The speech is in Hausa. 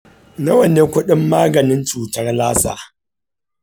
nawa ne kudin maganin cutar lassa?